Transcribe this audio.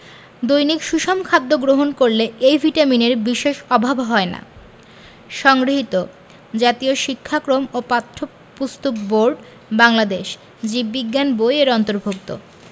দৈনিক সুষম খাদ্য গ্রহণ করলে এই ভিটামিনের বিশেষ অভাব হয় না সংগৃহীত জাতীয় শিক্ষাক্রম ও পাঠ্যপুস্তক বোর্ড বাংলাদেশ জীব বিজ্ঞান বই এর অন্তর্ভুক্ত